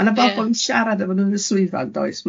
Ma' na bobol i sharad efo nw yn y swyddfa yndoes?